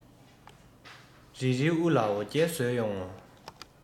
རིལ རིལ དབུ ལ འོ རྒྱལ བཟོས ཡོང ངོ